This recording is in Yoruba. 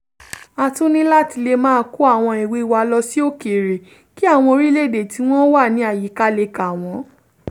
A tún ní láti lè máa kó àwọn ìwé wa lọ sí òkèèrè kí àwọn orílẹ̀-èdè tí wọ́n wà ní àyíká lè kà wọ́n.